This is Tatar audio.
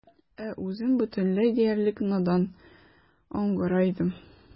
Ә үзем бөтенләй диярлек надан, аңгыра идем.